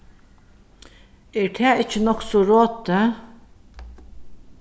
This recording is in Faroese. er tað ikki nokk so rotið